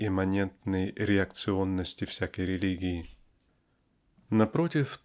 имманентной "реакционности" всякой религии. Напротив